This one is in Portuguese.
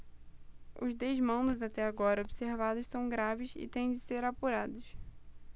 os desmandos até agora observados são graves e têm de ser apurados